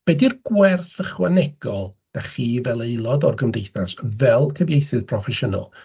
Be di'r gwerth ychwanegol dach chi fel aelod o'r Gymdeithas, fel cyfieithydd proffesiynol.